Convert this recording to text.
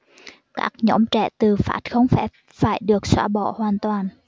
các nhóm trẻ tự phát không phép phải được xóa bỏ hoàn toàn